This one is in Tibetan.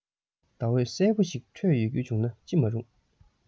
ཟླ འོད གསལ བོ ཞིག འཕྲོས ཡོད རྒྱུ ན ཅི མ རུང